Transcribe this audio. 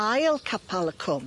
Ail capal y cwm.